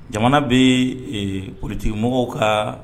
Jamana bɛ bolitigimɔgɔw kan